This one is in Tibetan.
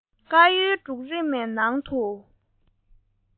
དཀར ཡོལ འབྲུག རིས མའི ནང དུ